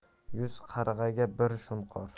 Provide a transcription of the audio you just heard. yuz qarg'aga bir shunqor